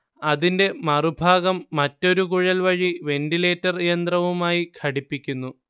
അതിന്റെ മറുഭാഗം മറ്റൊരു കുഴൽ വഴി വെന്റിലേറ്റർ യന്ത്രവുമായി ഘടിപ്പിക്കുന്നു